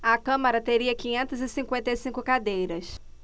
a câmara teria quinhentas e cinquenta e cinco cadeiras